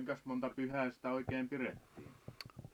kuinkas monta pyhää sitä oikein pidettiin